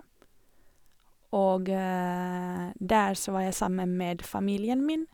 Og der så var jeg sammen med familien min.